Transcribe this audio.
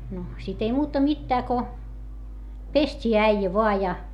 no sitten ei muuta mitään kuin pestiin äijä vain ja